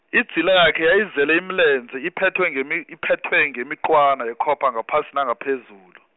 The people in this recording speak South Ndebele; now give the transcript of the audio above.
idzila yakhe yayizele imilenze, iphethwe ngemi- iphethwe ngemiqwana, yekhopha ngaphasi nangaphezulu.